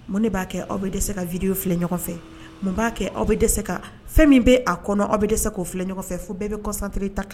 Mun de b'a kɛ aw bɛ dɛsɛse ka vidéo filɛ ɲɔgɔn fɛ mun b'a kɛ aw bɛ desɛ ka fɛn min bɛ a kɔnɔ aw bɛ dɛsɛ k'o filɛ ɲɔgɔn fɛ fo bɛɛ bɛ concentré ta kan